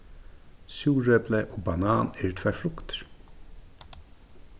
súrepli og banan eru tvær fruktir